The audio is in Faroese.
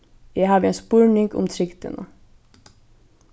eg havi ein spurning um trygdina